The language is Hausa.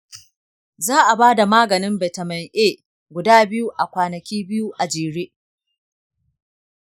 za a bada maganin bitamin a guda biyu a kwanaki biyu a jere.